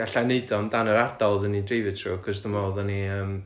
Alla i neud o amdan yr adal oeddwn ni'n dreifio trwy achos dwi meddwl oeddwn ni yym